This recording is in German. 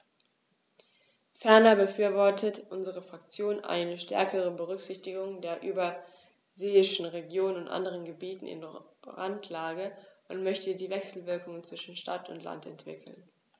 Ferner befürwortet unsere Fraktion eine stärkere Berücksichtigung der überseeischen Regionen und anderen Gebieten in Randlage und möchte die Wechselwirkungen zwischen Stadt und Land entwickeln.